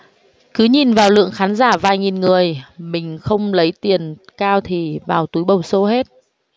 cứ nhìn vào lượng khán giả vài nghìn người mình không lấy tiền cao thì vào túi bầu sô hết